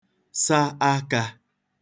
sa akā